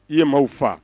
I'aw faa